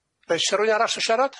Reit, s'e r'wun arall sho siarad?